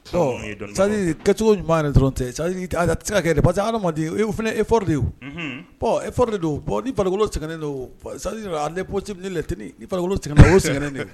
Ɔdi kɛcogo ɲuman dɔrɔn tɛ a tɛ se ka kɛ parce que adamaden fana eoro de ye e de don ni farikolo sɛgɛnnen don sa ale psibi ne latini o sɛgɛnnen de